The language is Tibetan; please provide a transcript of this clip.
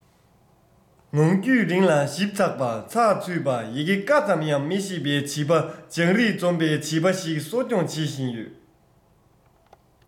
ངང རྒྱུད རིང ལ ཞིབ ཚགས པ ཞིབ ཚགས པ དང ཚགས ཚུད པ ཡི གེ ཀ ཙམ ཡང མི ཤེས པའི བྱིས པ སྦྱང རིག འཛོམས པའི བྱིས པ བྱིས པ ཞིག གསོ སྐྱོང བྱེད བཞིན ཡོད